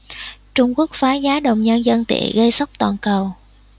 trung quốc phá giá đồng nhân dân tệ gây sốc toàn cầu